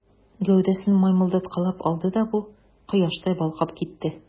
Гәүдәсен мыймылдаткалап алды да бу, кояштай балкып китте.